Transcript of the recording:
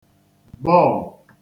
bọlụ